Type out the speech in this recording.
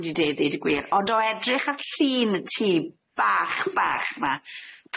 wedi deud ddeud y gwir ond o edrych ar llun tŷ bach bach 'ma